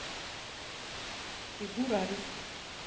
ты дура алиса